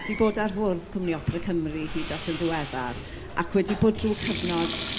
'di bod ar fwrdd cwmni op'ra Cymru hyd at yn ddiweddar ac wedi bod drw' cyfnod